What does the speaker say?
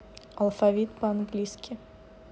алфавит по английски